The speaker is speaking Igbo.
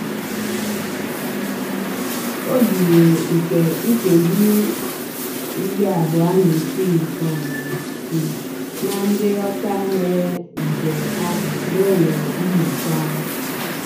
Odiyo nke nkeji 26 kọọrọ sị na ndị ọcha mere nje ahụ n'ụlọ nnyocha.